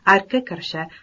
arkka kirishi